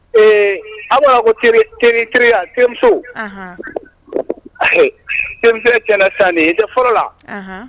Ee aw ko kotiriya te dentiri tɛ tan i tɛ fɔlɔ la